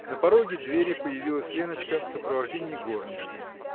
На пороге двери появилась Леночка в сопровождении горничной.